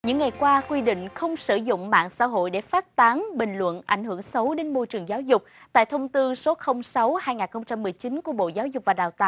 những ngày qua quy định không sử dụng mạng xã hội để phát tán bình luận ảnh hưởng xấu đến môi trường giáo dục tại thông tư số không sáu hai nghìn không trăm mười chín của bộ giáo dục và đào tạo